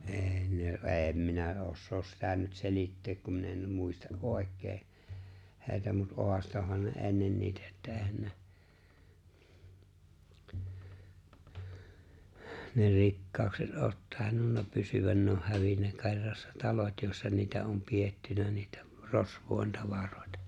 ei ne en minä osaa sitä nyt selittää kun minä en muista oikein heitä mutta haastoihan ne ennen niitä että eihän ne ne rikkaudet ole tainnut pysyä ne olisi hävinnyt kerrassaan talot joissa niitä on pidetty niitä rosvojen tavaroita